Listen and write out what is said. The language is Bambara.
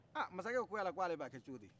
aa masakɛ ko ko yala ko ale b'a kɛ cogo di